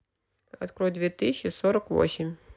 открой две тысячи сорок восемь